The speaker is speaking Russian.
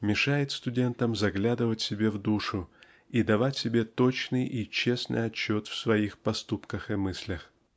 мешает студентам заглядывать себе в душу и давать себе точный и честный отчета своих поступках и мыслях.